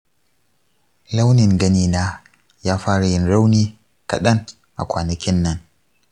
launin ganina ya fara yin rauni kaɗan a kwanakin nan.